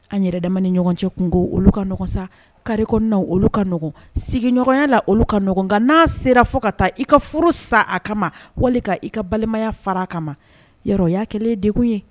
An yɛrɛdama ni ɲɔgɔn cɛ tun ko olu ka ɲɔgɔn sa karikw olu kaɔgɔn sigiɲɔgɔnya la olu ka ɲɔgɔn kan n'a sera fo ka taa i ka furu san a kama wali ka i ka balimaya fara a kama yɔrɔya kɛlen dekun ye